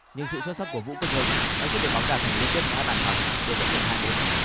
nhưng sự xuất sắc của vũ quốc hưng đã giúp đội bóng đà thành liên tiếp có hai bàn thắng để dẫn ngược hai một